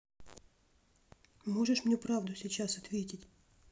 можешь мне правду сейчас ответить